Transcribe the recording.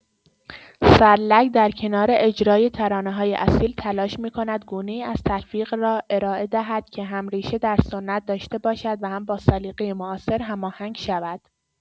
سرلک در کنار اجرای ترانه‌های اصیل، تلاش می‌کند گونه‌ای از تلفیق را ارائه دهد که هم ریشه در سنت داشته باشد و هم با سلیقه معاصر هماهنگ شود.